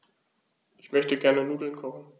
Ich möchte gerne Nudeln kochen.